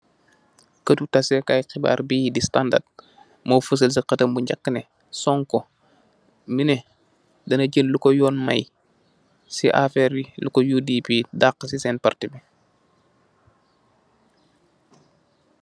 Keuru tasseh kai khibarr bi di Standard, mor fassal si khueti neh Sonko muneh dina jel luko yonn mey chi lu nyu dakheu si sen party bi.